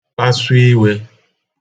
kpasu iwe